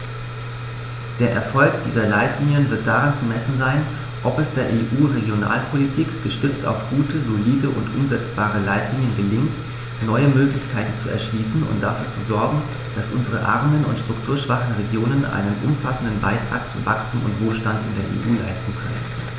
Der Erfolg dieser Leitlinien wird daran zu messen sein, ob es der EU-Regionalpolitik, gestützt auf gute, solide und umsetzbare Leitlinien, gelingt, neue Möglichkeiten zu erschließen und dafür zu sorgen, dass unsere armen und strukturschwachen Regionen einen umfassenden Beitrag zu Wachstum und Wohlstand in der EU leisten können.